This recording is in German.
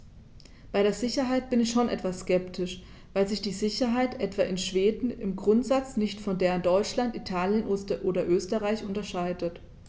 Bei der Sicherheit bin ich schon etwas skeptisch, weil sich die Sicherheit etwa in Schweden im Grundsatz nicht von der in Deutschland, Italien oder Österreich unterscheidet.